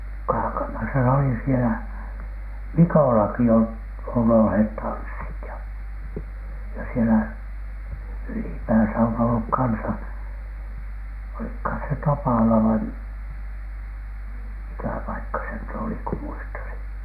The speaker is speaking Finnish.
Kaakamassa se oli siellä Mikollakin - on olleet tanssit ja ja siellä ylipäässä on ollut kanssa olikohan se Tapala vai - mikä paikka se nyt oli kun muistaisin